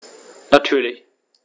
Natürlich.